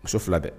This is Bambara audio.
Muso fila bɛɛ